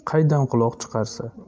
qaydan quloq chiqarsa